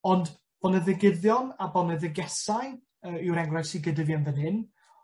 Ond boneddigyddion a boneddigesau yy yw'r enghraifft sy gyda fi yn fan hyn.